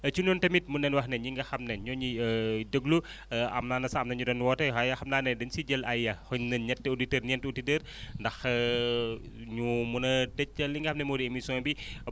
ci noonu tamit mun nañu wax ne ñi nga xam ne ñoo ñuy déglu amaa na sax am na ñu doon woote waaye xam naa ne di nga si jël ay xëy na ñetti auditeurs ñeenti auditeurs ndax ñu mun a tëj li nga xam ne moo di émission bi